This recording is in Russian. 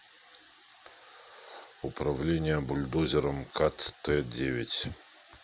управление бульдозером cut т девять